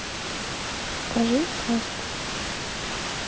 скажи тост